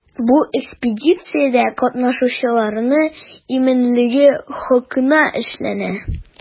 Бу экспедициядә катнашучыларның иминлеге хакына эшләнә.